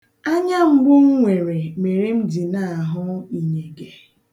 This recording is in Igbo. Anya mgbu m nwere mere m ji na-ahụ inyege.